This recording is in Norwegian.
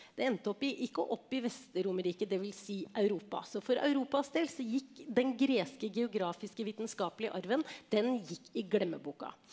det endte opp i ikke opp i Vest-Romerriket dvs. Europa så for Europas del så gikk den greske geografiske vitenskapelige arven den gikk i glemmeboka.